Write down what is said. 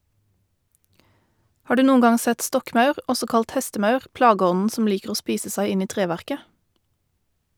Har du noen gang sett stokkmaur, også kalt hestemaur, plageånden som liker å spise seg inn i treverket?